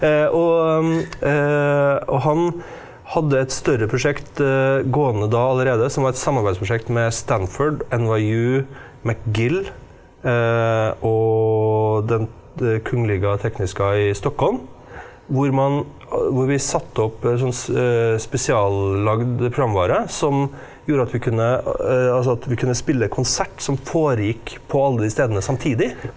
og og han hadde et større prosjekt gående da allerede som var et samarbeidsprosjekt med Stanford, NYU, McGill og den Det Kungliga Tekniska i Stockholm hvor man hvor vi satt opp et sånn spesiallagd programvare som gjorde at vi kunne altså at vi kunne spille konsert som foregikk på alle de stedene samtidig.